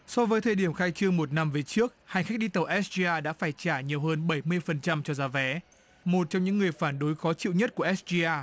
so với thời điểm khai trương một năm về trước hành khách đi tàu s di a đã phải trả nhiều hơn bảy mươi phần trăm cho giá vé một trong những người phán đối khó chịu nhất cuat s di a